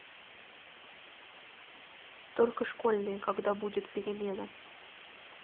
только школьные когда будет перемена